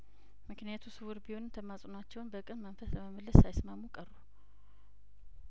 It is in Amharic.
ምክንያቱ ስውር ቢሆንም ተማጽኗቸውን በቅን መንፈስ ለመመለስ ሳይስማሙ ቀሩ